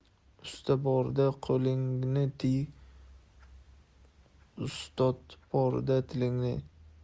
usta borida qo'lingni tiy ustod borida tllingni